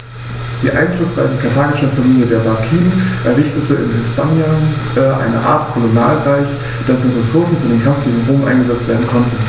Die einflussreiche karthagische Familie der Barkiden errichtete in Hispanien eine Art Kolonialreich, dessen Ressourcen für den Kampf gegen Rom eingesetzt werden konnten.